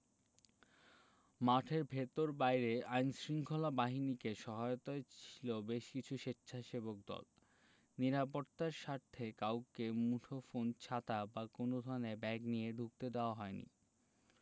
মাঠের ভেতর বাইরে আইনশৃঙ্খলা বাহিনীকে সহায়তায় ছিল বেশ কিছু স্বেচ্ছাসেবক দল নিরাপত্তার স্বার্থে কাউকে মুঠোফোন ছাতা বা কোনো ধরনের ব্যাগ নিয়ে ঢুকতে দেওয়া হয়নি